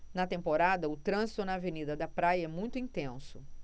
na temporada o trânsito na avenida da praia é muito intenso